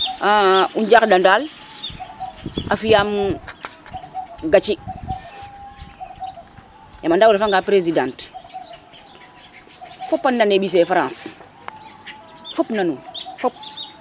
gaci yam o refa nga presidente fopa nane mbise France fop na un fop